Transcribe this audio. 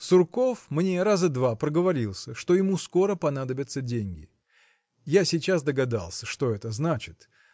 Сурков мне раза два проговорился, что ему скоро понадобятся деньги. Я сейчас догадался что это значит